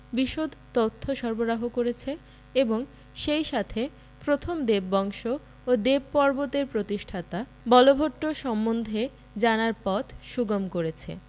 বিশদ তথ্য সরবরাহ করেছে এবং সেই সাথে প্রথম দেব বংশ ও দেবপর্বত এর প্রতিষ্ঠাতা বলভট্ট সম্বন্ধে জানার পথ সুগম করেছে